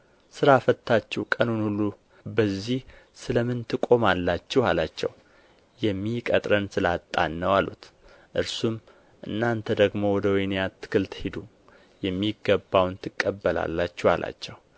ሥራ ፈትታችሁ ቀኑን ሁሉ በዚህ ስለ ምን ትቆማላችሁ አላቸው የሚቀጥረን ስለ አጣን ነው አሉት እርሱም እናንተ ደግሞ ወደ ወይኔ አትክልት ሂዱ የሚገባውንም ትቀበላላችሁ አላቸው